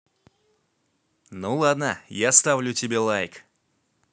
ну ладно я ставлю тебе лайк